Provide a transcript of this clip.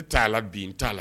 Ne bɛ' la bin ta' la